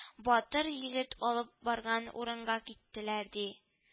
Батыр егет алып барган урынга киттеләр, ди